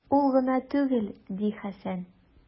Ул гына түгел, - ди Хәсән.